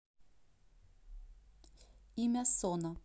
имя сона